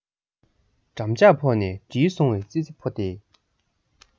འགྲམ ལྕག ཕོག ནས འགྲིལ སོང བའི ཙི ཙི ཕོ དེས